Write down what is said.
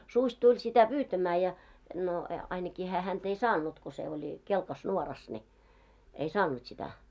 susi tuli sitä pyytämään ja no - ainakin hän häntä ei saanut kun se oli kelkassa nuorassa niin ei saanut sitä